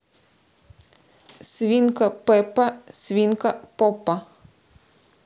свинка пеппа свинка попа